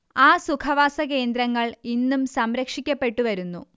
ആ സുഖവാസകേന്ദ്രങ്ങൾ ഇന്നും സംരക്ഷിക്കപ്പെട്ടു വരുന്നു